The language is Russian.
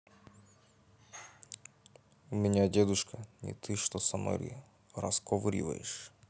у меня дедушка ни ты что со мной расковыриваешь